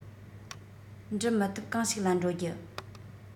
འགྲུབ མི ཐུབ གང ཞིག ལ འགྲོ རྒྱུ